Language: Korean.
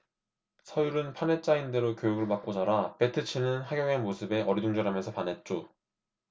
서율은 판에 짜인 대로 교육을 받고 자라 배트 치는 하경의 모습에 어리둥절 하면서 반했죠